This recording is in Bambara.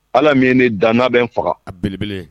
Ala min ye ne danana bɛ n faga a beleb